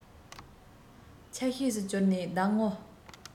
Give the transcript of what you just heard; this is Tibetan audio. ཆ ཤས སུ གྱུར ནས ཟླ ངོ